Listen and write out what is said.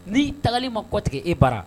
N'i tagali ma kɔtigɛ e bara.